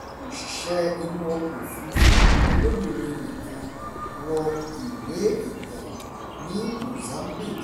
Òṣìṣẹ́ inú ọkọ̀ òfuurufú olóbìnrin nìkan wọ ìwé ìtàn ní Mozambique